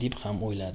deb xam o'yladi